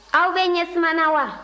aw bɛɛ ɲɛsumana wa